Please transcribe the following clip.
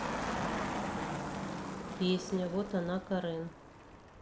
песня вот она карен